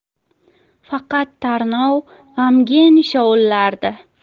faqat tarnov g'amgin shovullardi